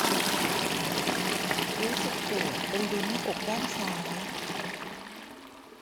รู้สึกปวดบริเวณหน้าอกด้านซ้าย